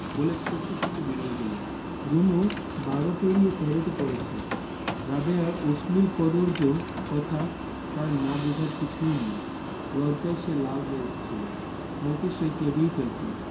বলে ছুটতে ছুটতে বেরিয়ে গেল রুনু বারো পেরিয়ে তেরোতে পড়েছে রাবেয়ার অশ্লীল কদৰ্য কথা তার না বুঝার কিছুই নেই লজ্জায় সে লাল হয়ে উঠেছিলো হয়তো সে কেঁদেই ফেলতো